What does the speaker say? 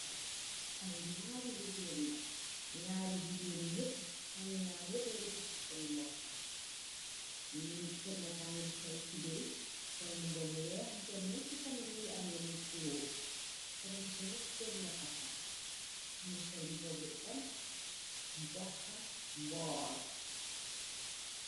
ay ñaari jigéen la ñaari jigéen yi ñob nam ñaa ñob ngi takka seni boppa kennka ngi sol tubey sol mu ba bu weex bonnna ci kanam ngi am yeneen kuluur kerenkina sër la takka ni sol bu ba bu em boxa bool